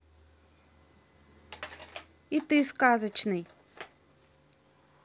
и ты сказочный